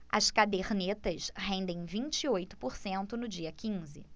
as cadernetas rendem vinte e oito por cento no dia quinze